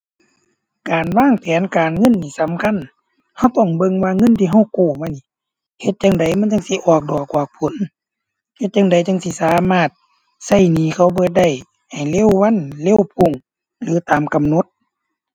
การวางแผนการเงินนี่สำคัญ เราต้องเบิ่งว่าเงินที่เรากู้มานี่เฮ็ดจั่งใดมันจั่งสิออกดอกออกผล เฮ็ดจั่งใดจั่งสิสามารถเราหนี้เขาเบิดได้ให้เร็ววันเร็วก้ง หรือตามกำหนด